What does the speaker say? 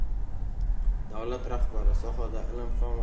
davlat rahbari sohada ilm fan va